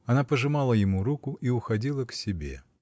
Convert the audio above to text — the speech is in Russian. Она пожимала ему руку и уходила к себе.